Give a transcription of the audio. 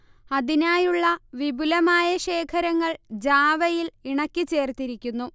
അതിനായുള്ള വിപുലമായ ശേഖരങ്ങൾ ജാവയിൽ ഇണക്കിച്ചേർത്തിരിക്കുന്നു